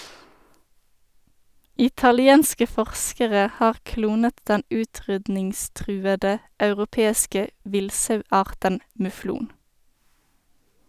Italienske forskere har klonet den utrydningstruede europeiske villsauarten muflon.